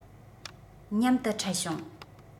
མཉམ དུ འཕྲད བྱུང